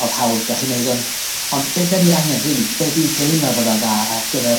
odd hawl 'da chi neud on', ond be' 'dan ni angen rili, be' dwi'n deimlo fydda'n dda ar gyfer